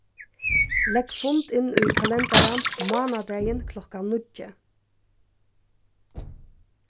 legg fund inn í kalendaran mánadagin klokkan níggju